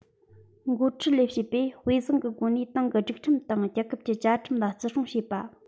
འགོ ཁྲིད ལས བྱེད པས དཔེ བཟང གི སྒོ ནས ཏང གི སྒྲིག ཁྲིམས དང རྒྱལ ཁབ ཀྱི བཅའ ཁྲིམས ལ བརྩི སྲུང བྱེད པ